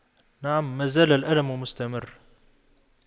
نعم مازال الألم مستمر